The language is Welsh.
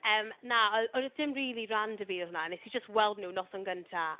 Yym, na, y- ond oedd dim rili rhan 'da fi yn hwnna. Wnes i jyst weld nhw noson gynta.